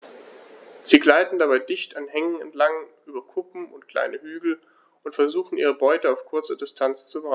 Sie gleiten dabei dicht an Hängen entlang, über Kuppen und kleine Hügel und versuchen ihre Beute auf kurze Distanz zu überraschen.